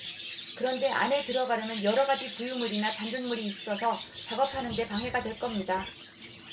그런데 안에 들어가려면 여러 가지 부유물이나 잔존물이 있어서 작업하는 데 방해가 될 겁니다